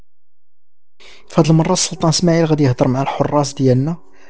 المرسل طه اسماعيل غدير مع الحراس دينا